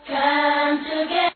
San